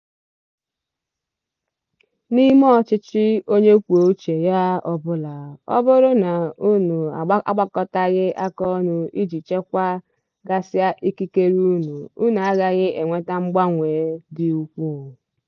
N'ime ọchịchị onye kwuo uche ya ọbụla, ọ bụrụ na unu agbakọtaghị aka ọnụ iji chekwa gasịa ikikere unu, unu agaghị enweta mgbanwe dị ukwuu.